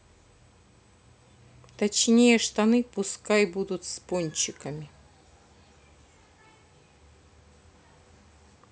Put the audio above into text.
точнее штаны пускай будут с пончиками